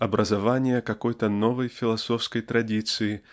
образование какой-то новой философской традиции